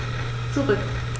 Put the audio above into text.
Zurück.